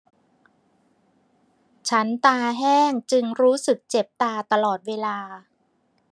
ฉันตาแห้งจึงรู้สึกเจ็บตาตลอดเวลา